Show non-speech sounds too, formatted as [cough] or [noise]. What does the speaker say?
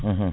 [hesitation] [hesitation]